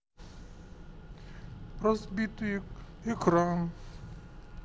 разбитый экран